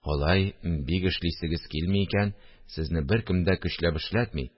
Алай бик эшлисегез килми икән, сезне беркем дә көчләп эшләтми